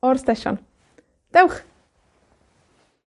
O'r stesion. Dewch!